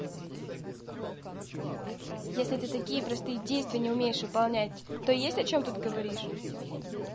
если ты такие простые действия не умеешь выполнять то есть о чем тут говоришь